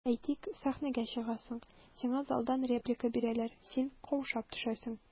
Әйтик, сәхнәгә чыгасың, сиңа залдан реплика бирәләр, син каушап төшәсең.